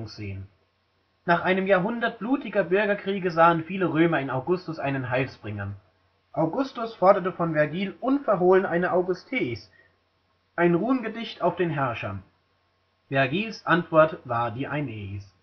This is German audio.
sehen. Nach einem Jahrhundert blutiger Bürgerkriege sahen viele Römer in Augustus einen Heilsbringer. Augustus forderte von Vergil unverhohlen eine Augusteis, ein Ruhmgedicht auf den Herrscher. Vergils Antwort war die Aeneis